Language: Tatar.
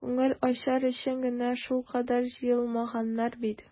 Күңел ачар өчен генә шулкадәр җыелмаганнар бит.